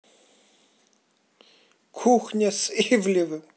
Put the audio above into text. кухня с ивлевым